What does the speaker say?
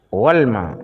Walima